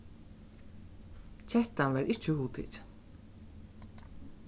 kettan var ikki hugtikin